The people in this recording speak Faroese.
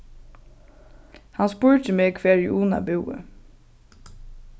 hann spurdi meg hvar ið una búði